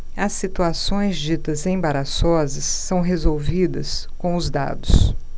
as situações ditas embaraçosas são resolvidas com os dados